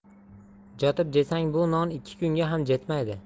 jotib jesang bu non ikki kunga ham jetmaydi